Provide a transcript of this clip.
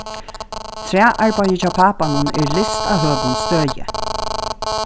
træarbeiðið hjá pápanum er list á høgum stigi